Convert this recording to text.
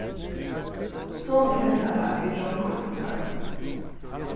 sonur hennara er drongur hansara